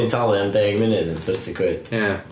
Ti'n talu am 10 munud yn thirty quid... Ia...